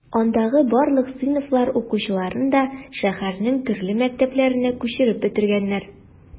Андагы барлык сыйныфлар укучыларын да шәһәрнең төрле мәктәпләренә күчереп бетергәннәр.